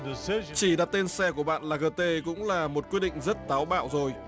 chỉ đặt tên xe của bạn là gờ tê cũng là một quyết định rất táo bạo rồi